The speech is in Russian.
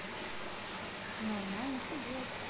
нормально что делать